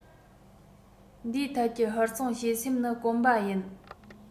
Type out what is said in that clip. འདིའི ཐད ཀྱི ཧུར བརྩོན བྱེད སེམས ནི དཀོན པ ཡིན